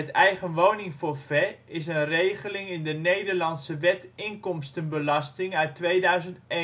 eigenwoningforfait is een regeling in de Nederlandse Wet inkomstenbelasting 2001. Het